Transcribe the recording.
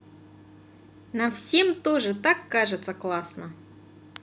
нам всем тоже так кажется классно